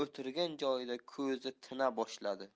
o'tirgan joyida ko'zi tina boshladi